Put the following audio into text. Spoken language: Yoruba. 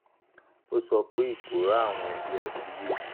Ó sọ pé ìpòórá àwọn ilé ọtí yéni.